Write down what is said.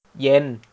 เย็น